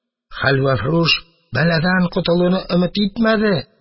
Хәлвәфрүш бәладән котылуны өмет итмәде.